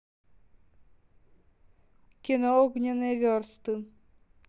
кино огненные версты